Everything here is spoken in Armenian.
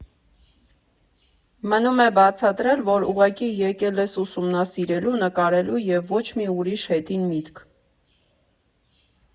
Մնում է բացատրել, որ ուղղակի եկել ես ուսումնասիրելու, նկարելու և ոչ մի ուրիշ հետին միտք։